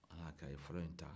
ala y'a kɛ a ye fɔlɔ in taa